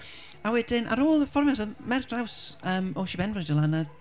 A wedyn ar ôl y perfformiad oedd merch draws yym, o Sir Benfro 'di dod lan a...